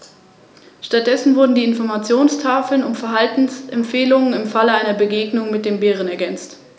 Langfristig sollen wieder jene Zustände erreicht werden, wie sie vor dem Eintreffen des Menschen vor rund 5000 Jahren überall geherrscht haben.